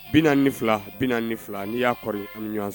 Bi ni fila bi ni fila n nii y'a kɔrɔɔri ani ni ɲɔgɔn sɔrɔ